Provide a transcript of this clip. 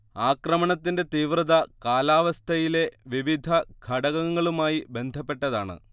ആക്രമണത്തിന്റെ തീവ്രത കാലാവസ്ഥയിലെ വിവിധ ഘടകങ്ങളുമായി ബന്ധപ്പെട്ടതാണ്